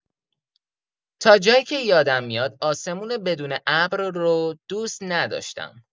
تا جایی که یادم میاد آسمون بدون ابر رو دوست نداشتم.